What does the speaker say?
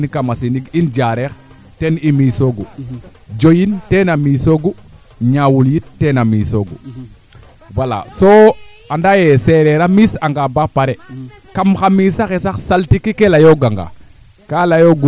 areer fa kaaga a mbaaga ndet bo meede mbareeena utit de saxaa o ndeeta ngaan a jega sax o axo le de leyaa ñor ñaam manaam a waaga foora cafa ndak kam ndiing ne o axo laaga ga'aanum casamance